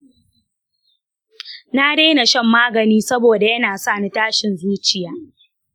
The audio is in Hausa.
na daina shan maganin saboda yana sa ni tashin zuciya.